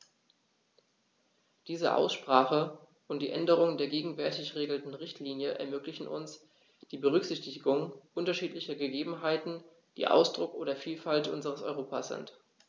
Diese Aussprache und die Änderung der gegenwärtig geltenden Richtlinie ermöglichen uns die Berücksichtigung unterschiedlicher Gegebenheiten, die Ausdruck der Vielfalt unseres Europas sind.